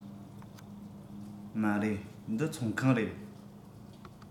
མ རེད འདི ཚོང ཁང རེད